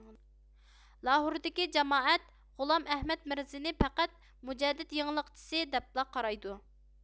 لاھوردىكى جامائەت غۇلام ئەھمەد مىرزىنى پەقەت مۇجەدىد يېڭىلىقچىسى دەپلا قارايدۇ